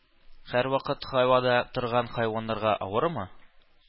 Һәрвакыт һавада торган хайваннарга авырмы?